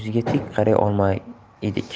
tik qaray olmas edik